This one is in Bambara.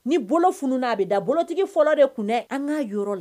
Ni bolounuun'a bɛ da bolotigi fɔlɔ de kun an ka yɔrɔ la